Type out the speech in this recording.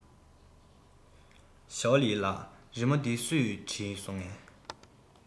ཞོའོ ལིའི ལགས རི མོ འདི སུས བྲིས སོང ངས